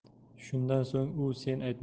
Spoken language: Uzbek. shundan so'ng u sen